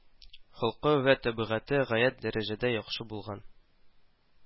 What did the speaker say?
Холкы вә табигате гаять дәрәҗәдә яхшы булган